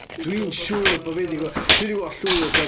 Dwi'n siŵr bod fi 'di gweld... Dwi di gweld llwyth o...